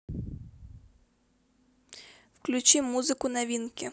включи музыку новинки